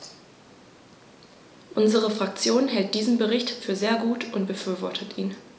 Unsere Fraktion hält diesen Bericht für sehr gut und befürwortet ihn.